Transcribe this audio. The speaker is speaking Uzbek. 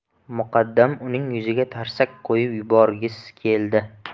muqaddam uning yuziga tarsaki qo'yib yuborgis keldi